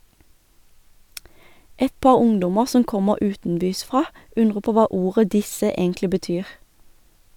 Et par ungdommer som kommer utenbysfra undrer på hva ordet disse egentlig betyr.